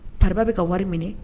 Pariba bɛ ka wari minɛ!